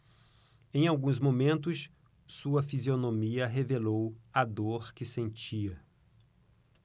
em alguns momentos sua fisionomia revelou a dor que sentia